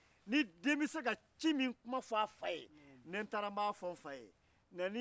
mɔgɔnifinya donwɔ ni a bɔwɔ yani i cɛ sɔrɔ